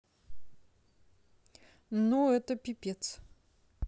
ну это пипец